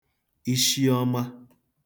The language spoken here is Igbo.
Ishiọma